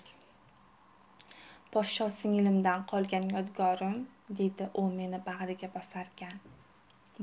poshsha singlimdan qolgan yodgorim dedi u meni bag'riga bosarkan